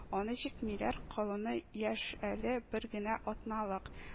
Аны җикмиләр – колыны яшь әле, бер генә атналык